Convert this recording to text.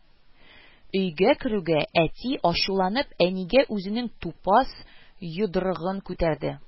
Өйгә керүгә, әти, ачуланып, әнигә үзенең тупас йодрыгын күтәрде